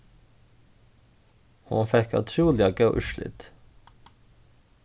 hon fekk ótrúliga góð úrslit